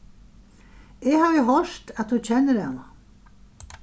eg havi hoyrt at tú kennir hana